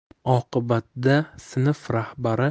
oqibatda sinf rahbari